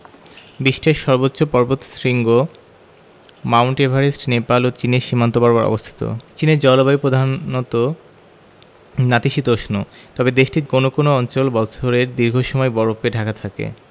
বিশ্বের সর্বোচ্চ পর্বতশৃঙ্গ মাউন্ট এভারেস্ট নেপাল ও চীনের সীমান্ত বরাবর অবস্থিত চীনের জলবায়ু প্রধানত নাতিশীতোষ্ণ তবে দেশটির কোনো কোনো অঞ্চল বছরের দীর্ঘ সময় বরফে ঢাকা থাকে